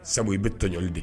Sabu i bɛ tɔjli de